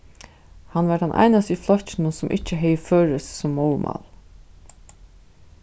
hann var tann einasti í flokkinum sum ikki hevði føroyskt sum móðurmál